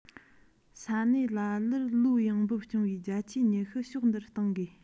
ས གནས ལ ལར ལོའི ཡོང འབབ རྐྱང བའི བརྒྱ ཆའི ཉི ཤུ ཕྱོགས འདིར གཏོང དགོས